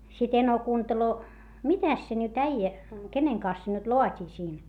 sitten eno kuuntelee mitäs se nyt äijä kenen kanssa se nyt laatii siinä